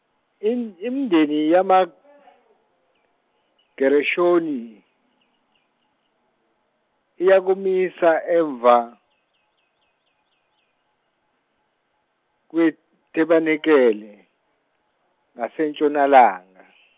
im- imindeni yamaGereshoni, iyakumisa emva, kwetabemakele ngasentshonalanga.